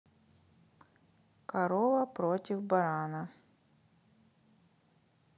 корова против барана